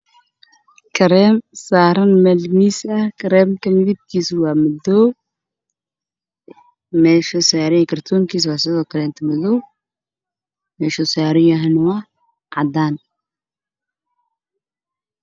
Waa cattar midabkiis yahay madow